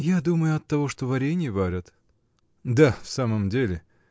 — Я думаю оттого, что варенье варят. — Да, в самом деле!